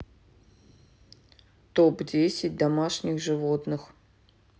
топ десять домашних животных